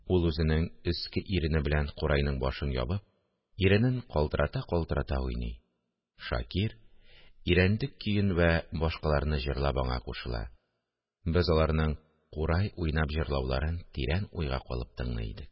Ул үзенең өске ирене белән курайның башын ябып, иренен калтырата-калтырата уйный, Шакир «Ирәндек» көен вә башкаларны җырлап аңа кушыла, без аларның курай уйнап җырлауларын тирән уйга калып тыңлый идек